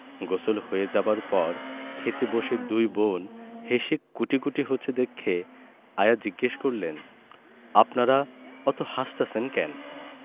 গোসল হয়ে যাবার পর খেতে বসে দুই বোন হেসে কুটিকুটি হচ্ছে দেখে আয়া জিজ্ঞেস করলেন আপনেরা অত হাসতাসেন ক্যান